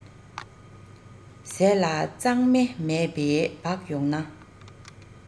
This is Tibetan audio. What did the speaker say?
ཟས ལ གཙང སྨེ མེད པའི བག ཡངས པོ